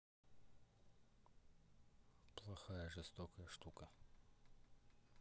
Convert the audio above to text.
плохая жестокая штука